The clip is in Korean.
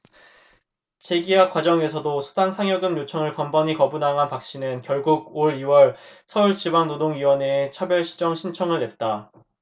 재계약 과정에서도 수당 상여금 요청을 번번이 거부당한 박씨는 결국 올 이 월 서울지방노동위원회에 차별시정 신청을 냈다